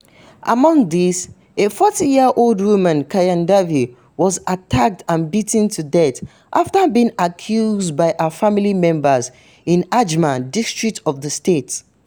Among these, a 40-year-old woman Kanya Devi was attacked and beaten to death after being accused by her family members in Ajmer district of the state.